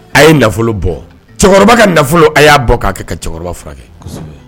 A ye nafolo bɔ, cɛkɔrɔba ka nafolo a y'a bɔ k'a kɛ ka cɛkɔrɔba furakɛ.